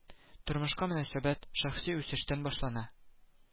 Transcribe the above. Тормышка мөнәсәбәт, шәхси үсештән башлана